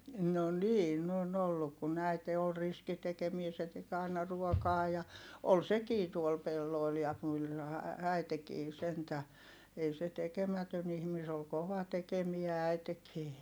no niin on ollut kun äiti oli riski tekemään se teki aina ruokaa ja oli sekin tuolla pelloilla ja kyllähän äitikin sentään ei se tekemätön ihminen se oli kova tekemään äitikin